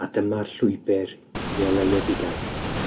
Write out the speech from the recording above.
A dyma'r llwybr i oleuedigaeth.